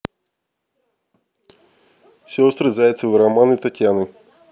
сестры зайцевы романы татьяны